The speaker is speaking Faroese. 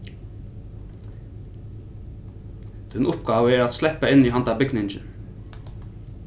tín uppgáva er at sleppa inn í handan bygningin